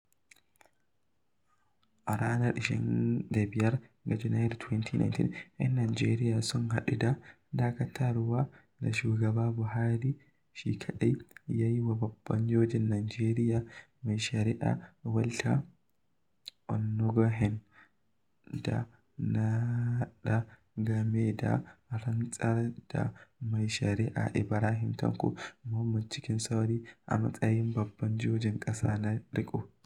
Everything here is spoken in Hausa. A ranar 25 ga Janairun 2019, 'yan Najeriya sun kaɗu da dakatarwar da shugaban Buhari shi kaɗai, ya yi wa babban joji na Najeriya, mai shari'a Walter Onnoghen, da naɗa gami da rantsar da mai shari'a Ibrahim Tanko Muhammad cikin sauri, a matsayin baban jojin ƙasa na riƙo.